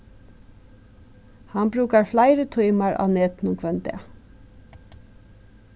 hann brúkar fleiri tímar á netinum hvønn dag